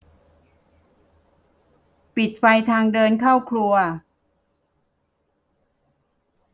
ปิดไฟทางเดินเข้าครัว